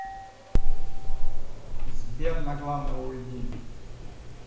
сбер на главного уйди